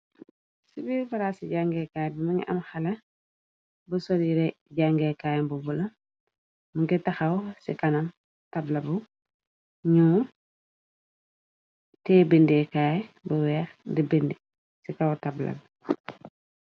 ci biir faraa ci jangeekaay bi më ngi am xale bu solire jangeekaay bu bula munga taxaw ci kanam tablabu ñuo tee bindekaay bu weex di bindi ci kaw tabla bi